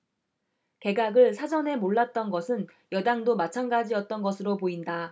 개각을 사전에 몰랐던 것은 여당도 마찬가지 였던 것으로 보인다